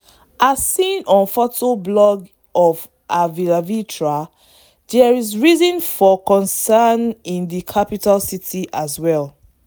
As seen on the photoblog of avylavitra, there is reason for concerns in the capital city as well.